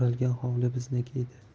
o'ralgan hovli bizniki edi